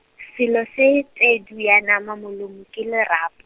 selo se tedu ya nama molomo ke lerap-.